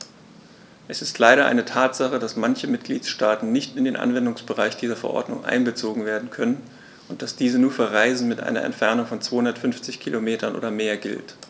Es ist leider eine Tatsache, dass manche Mitgliedstaaten nicht in den Anwendungsbereich dieser Verordnung einbezogen werden können und dass diese nur für Reisen mit einer Entfernung von 250 km oder mehr gilt.